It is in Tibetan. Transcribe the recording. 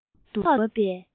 ཤོག ཐོག ཏུ ཕབ པའི